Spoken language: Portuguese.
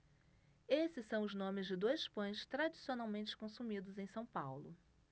esses são os nomes de dois pães tradicionalmente consumidos em são paulo